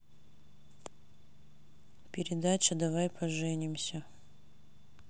передача давай поженимся